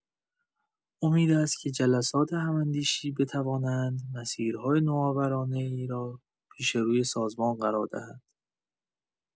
امید است که جلسات هم‌اندیشی بتوانند مسیرهای نوآورانه‌ای را پیش‌روی سازمان قرار دهند.